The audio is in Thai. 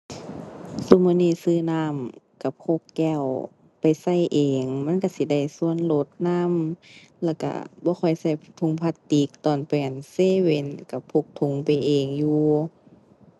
ซุมื้อนี้ซื้อน้ำก็พกแก้วไปใส่เองมันก็สิได้ส่วนลดนำแล้วก็บ่ค่อยก็ถุงพลาสติกตอนไป อั่น เซเว่นก็พกถุงไปเองอยู่